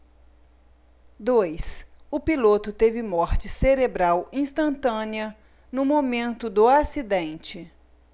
dois o piloto teve morte cerebral instantânea no momento do acidente